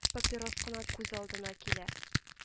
Папирос кына күз алдына килә